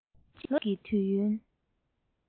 ལོ གཅིག གི དུས ཡུན